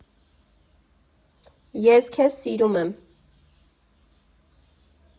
Ես քեզ սիրում եմ։